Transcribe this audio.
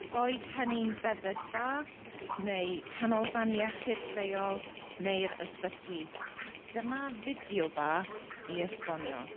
Boed hynny'n feddygfa neu canolfan iechyd lleol neu'r ysbyty. Dyma fideo bach i esbonio.